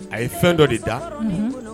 A ye fɛn dɔ de da